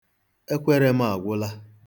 Ekwere m agwụla.